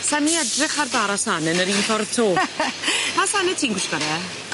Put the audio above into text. Sai myn' i edrych ar bar o sane yn yr un ffordd 'to. Pa sane ti'n gwisgo de?